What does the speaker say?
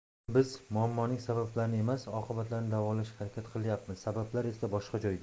lekin biz muammoning sabablarini emas oqibatlarini davolashga harakat qilyapmiz sabablar esa boshqa joyda